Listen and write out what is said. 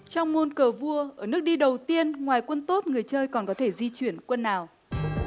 trong môn cờ vua ở nước đi đầu tiên ngoài quân tốt người chơi còn có thể di chuyển quân nào